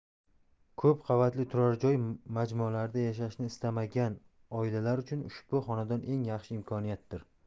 ko'p qavatli turar joy majmualarida yashashni istamagan oilalar uchun ushbu xonadon eng yaxshi imkoniyatdir